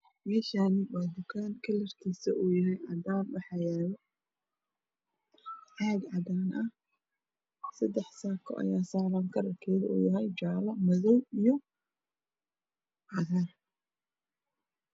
Meeshaani waa tugaan kalarkiisu uu yahay cadaan waxaa yaalo caag cadaan ah sedax saago ayaa saaran kalarkeedu uu yahay jaalo, madow iyo cagaar